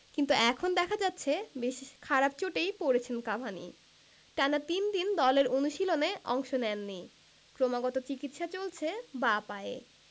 কিন্তু এখন দেখা যাচ্ছে বেশ খারাপ চোটেই পড়েছেন কাভানি টানা তিন দিন দলের অনুশীলনে অংশ নেননি ক্রমাগত চিকিৎসা চলছে বাঁ পায়ে